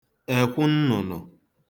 èkwụ nnụ̀nụ̀